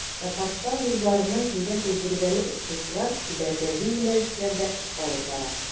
Татарстан вузларыннан килгән тәҗрибәле укытучылар түбәндәге юнәлешләрдә эш алып бара.